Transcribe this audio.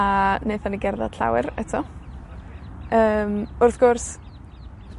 A naethon ni gerddad llawer, eto. Yym, wrth gwrs,